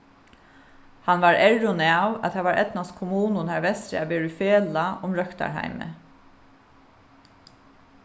hann var errin av at tað var eydnast kommunum har vesturi at vera í felag um røktarheimið